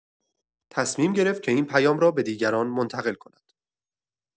تصمیم گرفت که این پیام را به دیگران منتقل کند.